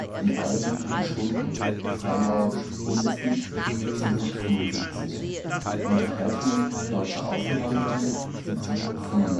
In allen guten Stunden (freimaurerisches Bundeslied, 1775) Unterhaltungen deutscher Ausgewanderten (1795